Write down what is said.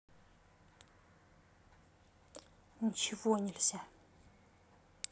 ничего нельзя